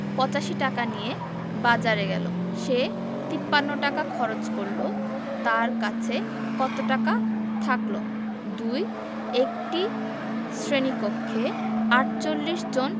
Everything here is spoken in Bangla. ৮৫ টাকা নিয়ে বাজারে গেল সে ৫৩ টাকা খরচ করল তার কাছে কত টাকা থাকল ২ একটি শ্রেণি কক্ষে ৪৮ জন